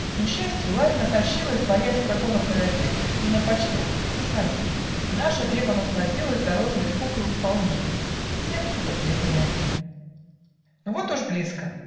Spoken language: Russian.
К несчастью, Ларина тащилась, Боясь прогонов дорогих, Не на почтовых, на своих, И наша дева насладилась Дорожной скукою вполне: Семь суток ехали оне. Но вот уж близко.